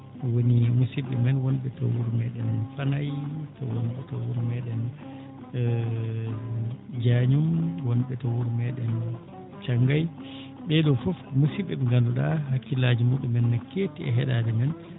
woni musid?e men won ?e to wuro mee?en Fanay to won ?e to wuro mee?en Jagnume won ?e to wuro mee?en Thiangay ?ee ?o fof musid?e ?e nganndu?aa hakkillaaji muu?um en no keetti e he?aade men